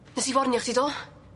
Nes i warnio chdi do?